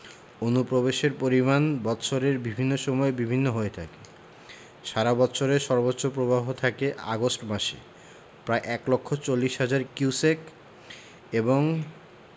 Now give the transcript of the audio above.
অনুপ্রবেশের পরিমাণ বৎসরের বিভিন্ন সময়ে বিভিন্ন হয়ে থাকে সারা বৎসরের সর্বোচ্চ প্রবাহ থাকে আগস্ট মাসে প্রায় এক লক্ষ চল্লিশ হাজার কিউসেক এবং